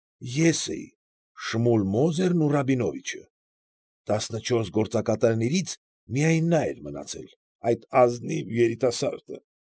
Ես էի, Շմուլ Մոզերն ու Ռաբինովիչը. տասնչորս գործակատարներիցս միայն նա էր մնացել, այդ ազնիվ երիտասարդը։